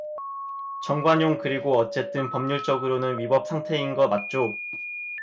정관용 그리고 어쨌든 법률적으로는 위법 상태인 거 맞죠